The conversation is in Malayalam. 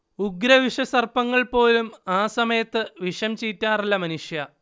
ഉഗ്രവിഷസർപ്പങ്ങൾ പോലും ആ സമയത്ത് വിഷം ചീറ്റാറില്ല മനുഷ്യാ